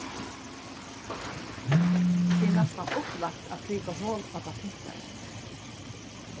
tað er næstan upplagt at prika hol á tað pyntaða